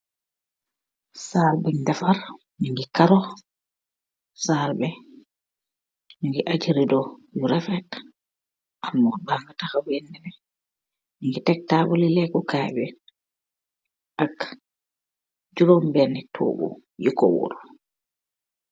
Saal bungh defarr, njungy kaaroh, saal bi njungy ajjj ridoh bu rafet, armorre baangah takhaw weeh neleh, njungy tek taabul lii lehku kai bi ak jurom beni tohgu yukor worre.